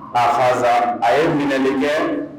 Akaza a ye minɛni kɛ